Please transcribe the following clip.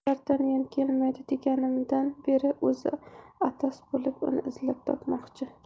dartanyan kelmaydi deganimdan beri o'zi atos bo'lib uni izlab topmoqchi